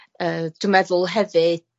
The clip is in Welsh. yy dw meddwl hefyd